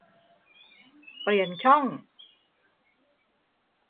เปลี่ยนช่อง